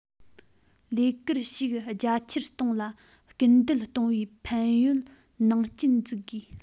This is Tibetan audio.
ལས ཀར ཞུགས རྒྱ ཆེར གཏོང ལ སྐུལ འདེད གཏོང བའི ཕན ཡོད ནང རྐྱེན འཛུགས དགོས